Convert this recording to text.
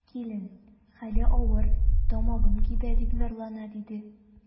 Килен: хәле авыр, тамагым кибә, дип зарлана, диде.